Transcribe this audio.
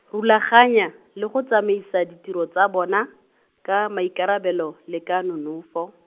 rulaganya, le go tsamaisa ditiro tsa bona, ka maikarabelo, le ka nonofo.